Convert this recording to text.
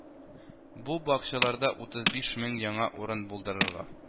Бу бакчаларда утыз биш мең яңа урын булдырырга